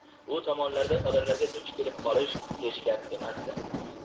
u tomonlarda odamlarga duch kelib qolish hech gap emasdi